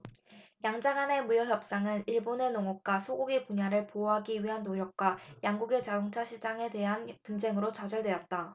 양자간의 무역협상은 일본의 농업과 소고기 분야를 보호하기 위한 노력과 양국의 자동차 시장에 대한 분쟁으로 좌절돼왔다